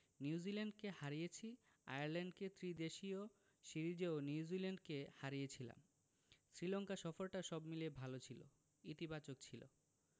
নিউজিল্যান্ডকে হারিয়েছি আয়ারল্যান্ডে ত্রিদেশীয় সিরিজেও নিউজিল্যান্ডকে হারিয়েছিলাম শ্রীলঙ্কা সফরটা সব মিলিয়ে ভালো ছিল ইতিবাচক ছিল